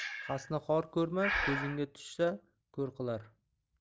xasni xor ko'rma ko'zingga tushsa ko'r qilar